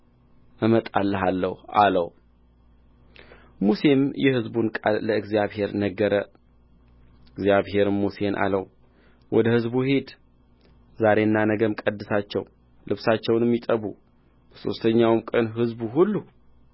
እመጣልሃለሁ አለው ሙሴም የሕዝቡን ቃል ለእግዚአብሔር ነገረ እግዚአብሔርም ሙሴን አለው ወደ ሕዝቡ ሂድ ዛሬና ነገም ቀድሳቸው ልብሳቸውንም ይጠቡ በሦስተኛው ቀን ሕዝቡ ሁሉ